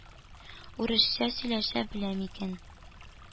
Урысча сөйләшә беләм икән,